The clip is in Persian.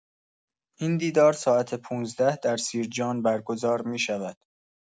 این دیدار ساعت ۱۵ در سیرجان برگزار می‌شود.